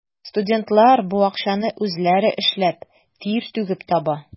Студентлар бу акчаны үзләре эшләп, тир түгеп таба.